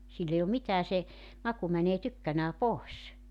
sillä ei ole mitään se maku menee tykkänään pois